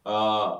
A